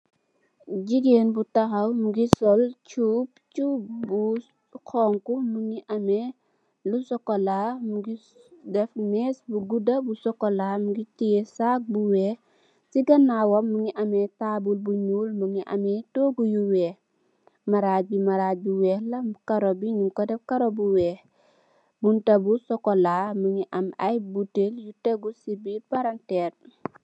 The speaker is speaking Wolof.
Jigeen bu taxaw mogi sol cxubb cxubb bu bu xonxu mogi ame lu chocola mo def mess bu guuda bu chocola bu tiye saag bu weex si ganawam mogi ame tabul bu nuul mogi ame togu yu weex marag bi marag bu weex la karo bi nyun ko def Kari bu weex bunta bu chocola mogi am ay botale yu tegu si birr palanterr bi.